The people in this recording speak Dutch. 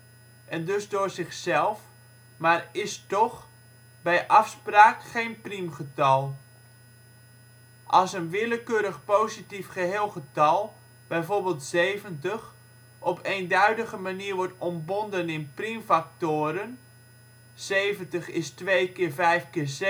en dus door zichzelf, maar is toch (bij afspraak) géén priemgetal. Als een willekeurig positief geheel getal, bijvoorbeeld 70, op eenduidige manier wordt ontbonden in priemfactoren: 70 = 2 × 5 × 7